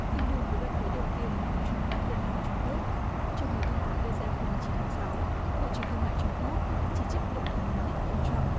tương đương với đợt thuế đầu tiên mà ông trăm áp lên hàng trung quốc trong một thông cáo đưa ra hôm mười chín tháng sáu bộ trưởng thương mại trung quốc chỉ trích động thái mới nhất của ông trăm